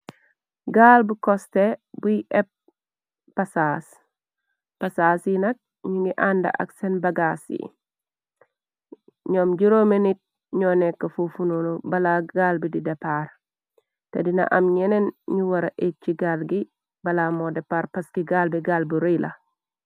gaal bu coste buy epp-pasaas yi nak ñu ngi ànda ak seen bagaas yi ñoom juróomi nit ñoo nekk fu funulu bala gaal bi di depaar te dina am ñeneen ñu wara ej ci gaal gi bala moo depar paski gaal bi gaal bu ruy la